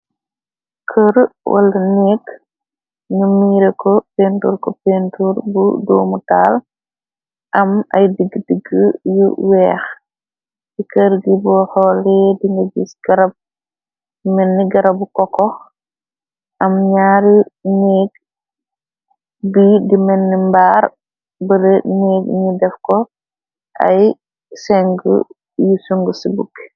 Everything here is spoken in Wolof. Keer wala neeg nu miire ko pentur ko pentur bu dome taal am ay digg-digg yu weex si keer gi bu xoolee dinga gis garab melne garabu kokou am ñaari neeg bi di melne mbaar bele neeg nu def ko ay senge yu sungu ci bukki.